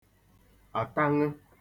àtaṅụ